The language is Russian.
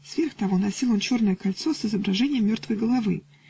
сверх того носил он черное кольцо с изображением мертвой головы.